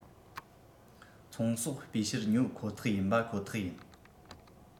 ཚོང ཟོག སྤུས ཞེར ཉོ ཁོ ཐག ཡིན པ ཁོ ཐག ཡིན